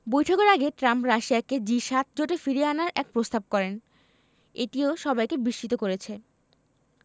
বৈঠকের আগে ট্রাম্প রাশিয়াকে জি ৭ জোটে ফিরিয়ে আনার এক প্রস্তাব করেন সেটিও সবাইকে বিস্মিত করেছে